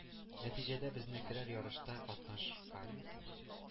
Нәтиҗәдә, безнекеләр ярышта катнашкан